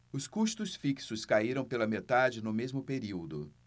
os custos fixos caíram pela metade no mesmo período